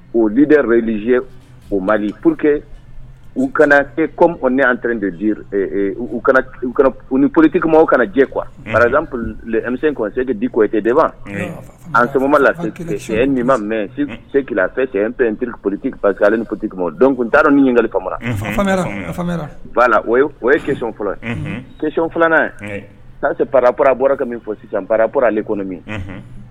O ye lize o mali pour que u kana e ne an u ni politikima o kana na jɛ kuwamise dikɔetɛ de ma anma lase nin ma mɛ sefɛn cɛp teri poli ni politikima don taa ni ɲinigalira la o ye ke fɔlɔ kec fanase papra bɔra ka min fɔ sisanɔrlen kɔnɔmi